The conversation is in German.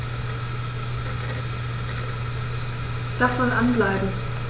Das soll an bleiben.